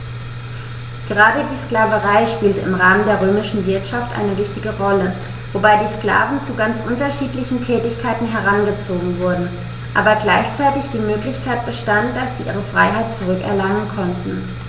Gerade die Sklaverei spielte im Rahmen der römischen Wirtschaft eine wichtige Rolle, wobei die Sklaven zu ganz unterschiedlichen Tätigkeiten herangezogen wurden, aber gleichzeitig die Möglichkeit bestand, dass sie ihre Freiheit zurück erlangen konnten.